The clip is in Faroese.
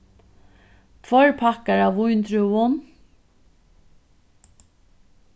tveir pakkar av víndrúvum